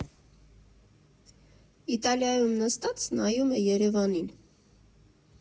Իտալիայում նստած՝ նայում է Երևանին։